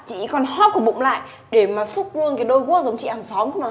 chỉ còn hóp bụng lại để mà xúc luôn cái đôi guốc giống chị hàng xóm cơ mà